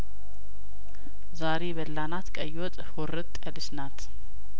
ዛሬ የበላናት ቀይወጥ ሁርጥ ያለች ናት